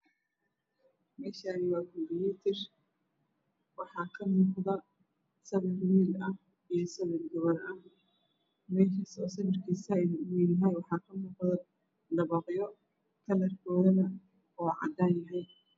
Meeshani waa combujutar waxaa ka muuqda sawir wiil ah iyo sawir gabadh ah saw